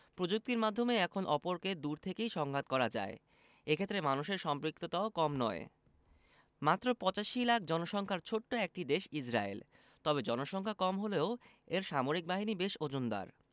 প্রযুক্তির মাধ্যমে এখন অপরকে দূর থেকেই সংঘাত করা যায় এ ক্ষেত্রে মানুষের সম্পৃক্ততাও কম নয় মাত্র ৮৫ লাখ জনসংখ্যার ছোট্ট একটি দেশ ইসরায়েল তবে জনসংখ্যা কম হলেও এর সামরিক বাহিনী বেশ ওজনদার